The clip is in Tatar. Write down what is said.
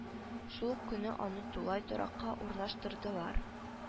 Шул ук көнне аны тулай торакка урнаштырдылар